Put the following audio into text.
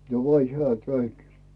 jo oli hän käynyt